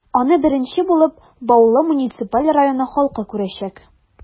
Аны беренче булып, Баулы муниципаль районы халкы күрәчәк.